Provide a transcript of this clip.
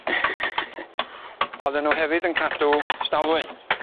Odden nw hefyd yn cadw stalwyn.